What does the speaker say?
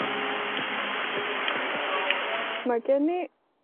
Ma' gen i